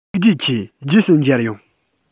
ཐུགས རྗེ ཆེ རྗེས སུ མཇལ ཡོང